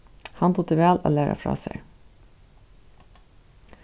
hann dugdi væl at læra frá sær